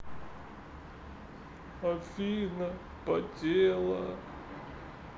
афина потела